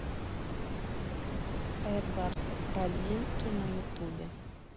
эдвард радзинский на ютубе